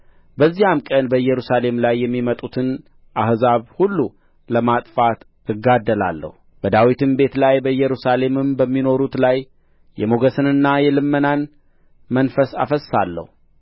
በዚያም ቀን በኢየሩሳሌም ላይ የሚመጡትን አሕዛብ ሁሉ ለማጥፋት እጋደላለሁ በዳዊትም ቤት ላይ በኢየሩሳሌምም በሚኖሩት ላይ የሞገስንና የልመናን መንፈስ አፈስሳለሁ